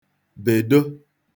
bèdo